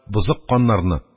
Бозык каннарны,